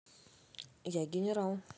я генерал